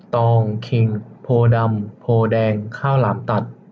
ตองคิงโพธิ์ดำโพธิ์แดงข้าวหลามตัด